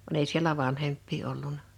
vaan ei siellä vanhempia ollut